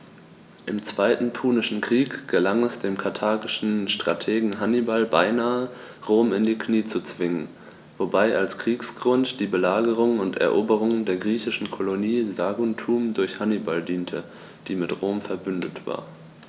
Im Zweiten Punischen Krieg gelang es dem karthagischen Strategen Hannibal beinahe, Rom in die Knie zu zwingen, wobei als Kriegsgrund die Belagerung und Eroberung der griechischen Kolonie Saguntum durch Hannibal diente, die mit Rom „verbündet“ war.